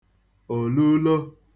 òlulo